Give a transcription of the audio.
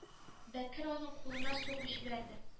Бәкер аның кулына сугып җибәрде